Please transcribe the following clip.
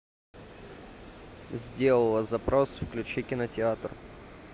сделала запрос включи кинотеатр